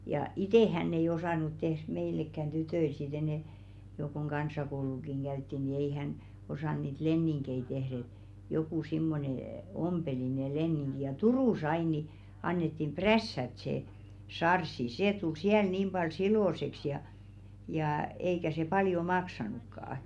ja itse hän ei osannut tehdä meillekään tytöille sitten enää jo kun kansakoulukin käytiin niin ei hän osannut niitä leninkejä tehdä että joku semmoinen ompeli ne leningit ja Turussa aina niin annettiin prässätä se sarssi se tuli siellä niin paljon siloiseksi ja ja eikä se paljon maksanutkaan